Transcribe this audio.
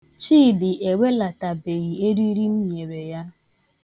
Chidi ewelatabeghị eriri m nyere ya.